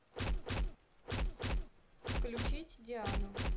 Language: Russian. включить диану